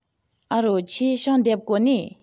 ཨོ རོ ཁྱོས ཞིང འདེབས གོ ནིས